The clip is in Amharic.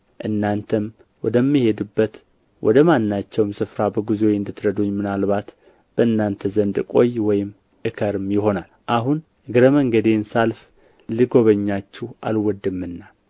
እናንተም ወደምሄድበት ወደ ማናቸውም ስፍራ በጉዞዬ እንድትረዱኝ ምናልባት በእናንተ ዘንድ እቆይ ወይም እከርም ይሆናል አሁን እግረ መንገዴን ሳልፍ ልጎበኛችሁ አልወድምና